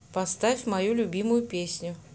поставь мою любимую песню